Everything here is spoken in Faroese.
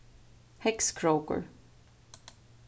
heygskrókur